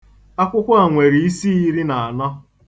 ̣Akwụkwọ a nwere isi iri na anọ.